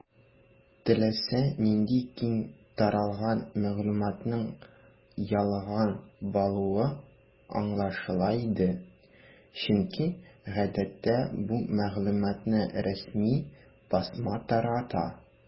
Теләсә нинди киң таралган мәгълүматның ялган булуы аңлашыла иде, чөнки гадәттә бу мәгълүматны рәсми басма тарата.